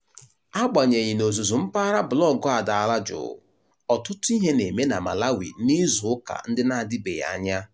Agbanyeghị n'ozuzu mpaghara blọọgụ a daala jụụ, ọtụtụ ihe na-eme na Malawi n'izu ụka ndị na-adịbeghị anya.